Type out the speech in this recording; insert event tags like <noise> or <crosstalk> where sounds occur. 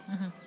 <hesitation> <hesitation>